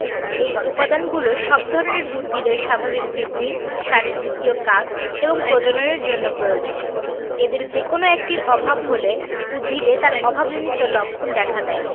এই উপাদানগুলো সব ধরনের উদ্ভিদের স্বাভাবিক বৃদ্ধি শারীরবৃত্তীয় কাজ এবং প্রজননের জন্য প্রয়োজন এদের যেকোনো একটির অভাব হলে উদ্ভিদে তার অভাবজনিত লক্ষণ দেখা দেয়